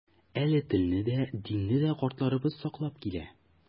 Әле телне дә, динне дә картларыбыз саклап килә.